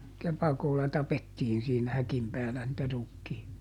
kepakolla tapettiin siinä häkin päällä niitä -